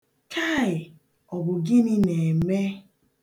Kaị! Ọ bụ gịnị na-eme?